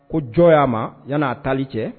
Ko jɔn ya ma yan na taali cɛ.